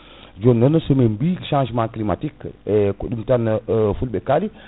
jonnon somin bi changement climatique ko ɗum tan fulɓe kaali